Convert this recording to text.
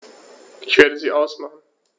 Ich werde sie ausmachen.